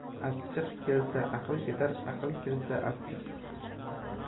achchiq kelsa aql ketar aql kelsa achchiq